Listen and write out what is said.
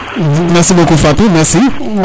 merci beaucoup Fatou merci